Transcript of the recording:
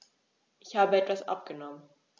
Ich habe etwas abgenommen.